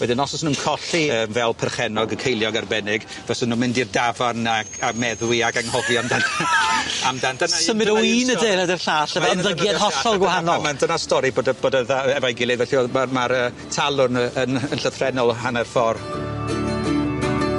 Wedyn os o's nw'n colli yy fel perchennog y ceiliog arbennig fyswn nw'n mynd i'r dafarn ag- a meddwi ag anghofio amdan amdan dyna un... Symud o un adeilad i'r llall efo ymddygiad hollol wahanol. A ma' dyna stori bod y bod y dda- efo'i gilydd felly o'dd ma'r ma'r yy talw'n yy yn yn llythrennol y hanner ffor.